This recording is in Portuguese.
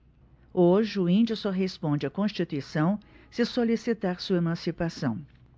hoje o índio só responde à constituição se solicitar sua emancipação